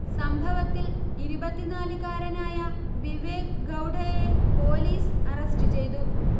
സംഭവത്തിൽ ഇരുപത്തിനാല് കാരനായ വിവേക് ഗൌഡയെ പൊലീസ് അറസ്റ്റ് ചെയ്തു